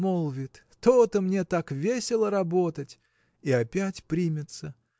– молвит, – то-то мне так весело работать! – и опять примется.